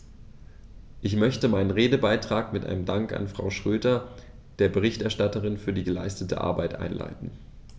Ich möchte meinen Redebeitrag mit einem Dank an Frau Schroedter, der Berichterstatterin, für die geleistete Arbeit einleiten.